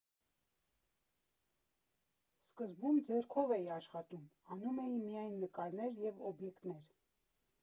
Սկզբում ձեռքով էի աշխատում՝ անում էի միայն նկարներ և օբյեկտներ։